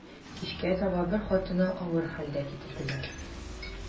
Кичкә таба бер хатынны авыр хәлдә китерделәр.